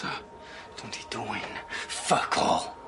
Dwi'm di dwyn fuck all.